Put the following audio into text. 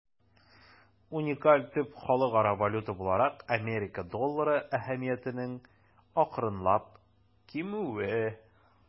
Уникаль төп халыкара валюта буларак Америка доллары әһәмиятенең акрынлап кимүе.